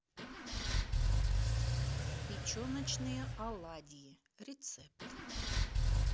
печеночные оладьи рецепт